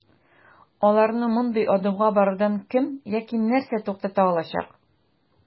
Аларны мондый адымга барудан кем яки нәрсә туктата алачак?